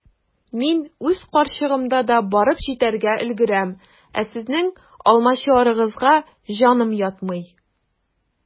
Мин үз карчыгымда да барып җитәргә өлгерәм, ә сезнең алмачуарыгызга җаным ятмый.